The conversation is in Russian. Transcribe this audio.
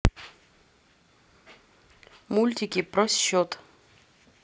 мультики про счет